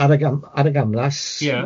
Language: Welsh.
Ar y gam- ar y gamlas... Ie.